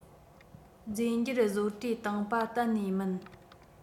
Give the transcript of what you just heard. རྫས འགྱུར བཟོ གྲྭས བཏང པ གཏན ནས མིན